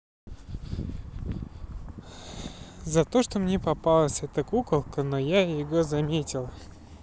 за то что мне попалась такая куколка но я его заметила